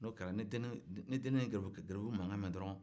n'o kɛra ni deni ye garibumankan mɛn dɔrɔn